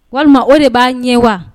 Walima o de b'a ɲɛ wa